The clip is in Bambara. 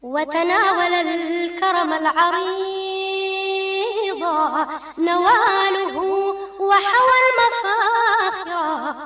Wa delikɔrɔyara ma naamubugu wa sa